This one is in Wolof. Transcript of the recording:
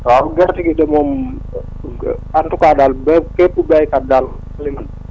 waaw gerte gi de moom en tout cas daal ba képp béykat daal léegi